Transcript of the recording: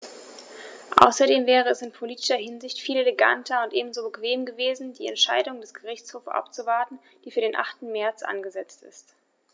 Außerdem wäre es in politischer Hinsicht viel eleganter und ebenso bequem gewesen, die Entscheidung des Gerichtshofs abzuwarten, die für den 8. März angesetzt ist.